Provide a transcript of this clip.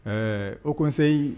Ɛɛ o koseyi